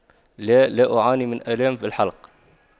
لا لا أعاني من آلام بالحلق